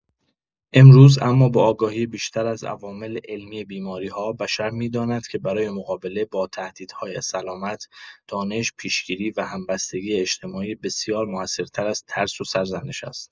امروز اما با آگاهی بیشتر از عوامل علمی بیماری‌ها، بشر می‌داند که برای مقابله با تهدیدهای سلامت، دانش، پیش‌گیری و همبستگی اجتماعی بسیار مؤثرتر از ترس و سرزنش است.